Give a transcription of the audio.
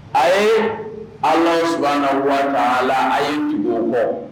Ayi an su na waati a la a ye tugu kɔ